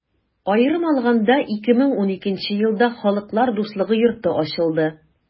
Аерым алаганда, 2012 нче елда Халыклар дуслыгы йорты ачылды.